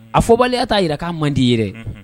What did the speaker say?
A fɔbaleya taa jira k'a man dii ye